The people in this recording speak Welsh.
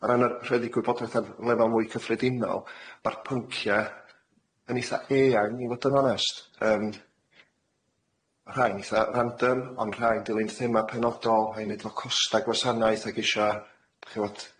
O ran y rheddi gwybodaeth ar lefel mwy cyffredinol ma'r pyncie yn eitha eang i fod yn onest yym rhai'n eitha random on' rhai'n dilyn thema penodol rhai'n neud efo costa gwasanaeth ag isio ch'wod